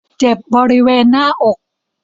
เจ็บบริเวณหน้าอก